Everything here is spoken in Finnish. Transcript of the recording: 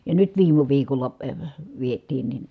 ja nyt viime viikolla vietiin niin